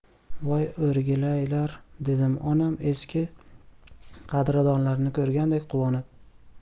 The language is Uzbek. voy o'rgilaylar dedi onam eski qadrdonlarini ko'rgandek quvonib